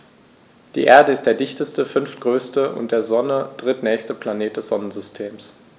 Die Erde ist der dichteste, fünftgrößte und der Sonne drittnächste Planet des Sonnensystems.